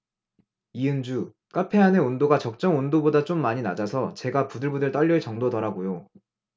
이은주 카페 안에 온도가 적정 온도보다 좀 많이 낮아서 제가 부들부들 떨릴 정도더라고요